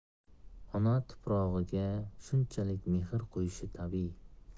ona tuprog'iga shunchalik mehr qo'yishi tabbiy